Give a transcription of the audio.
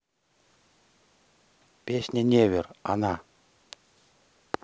песня never она